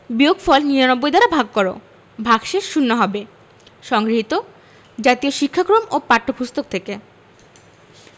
বিয়োগফল ৯৯ দ্বারা ভাগ কর ভাগশেষ শূন্য হবে সংগৃহীত জাতীয় শিক্ষাক্রম ও পাঠ্যপুস্তক থেকে